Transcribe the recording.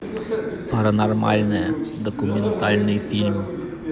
паранормальное документальный фильм